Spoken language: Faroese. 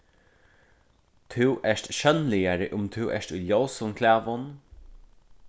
tú ert sjónligari um tú ert í ljósum klæðum